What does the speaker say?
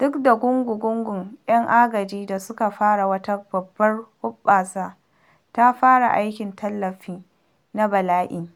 Duk da gungu-gungun ‘yan agaji da suka fara wata babbar hoɓɓasa ta fara aikin tallafi na bala’i,